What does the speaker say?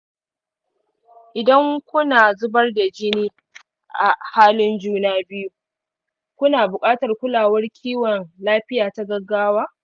idan ku na zubar da jini a halin juna-biyu, ku na buƙatar kulawar kiwon-lafiya ta gaggawa